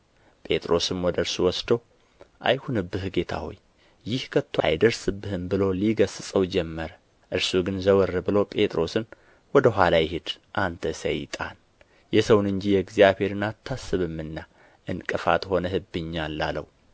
ጴጥሮስም ወደ እርሱ ወስዶ አይሁንብህ ጌታ ሆይ ይህ ከቶ አይደርስብህም ብሎ ሊገሥጸው ጀመረ እርሱ ግን ዘወር ብሎ ጴጥሮስን ወደ ኋላዬ ሂድ አንተ ሰይጣን የሰውን እንጂ የእግዚአብሔርን አታስብምና ዕንቅፋት ሆነህብኛል አለው